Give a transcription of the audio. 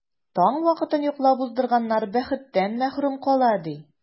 Таң вакытын йоклап уздырганнар бәхеттән мәхрүм кала, ди.